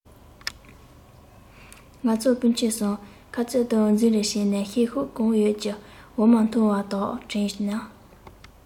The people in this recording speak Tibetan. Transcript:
ང ཚོ སྤུན མཆེད གསུམ ཁ རྩོད དང འཛིང རེས བྱེད ནས ཤེད ཤུགས གང ཡོད ཀྱིས འོ མ འཐུང བ དག དྲན ན